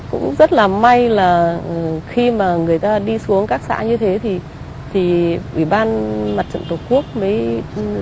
cũng rất là may là khi mà người ta đi xuống các xã như thế thì thì ủy ban mặt trận tổ quốc mới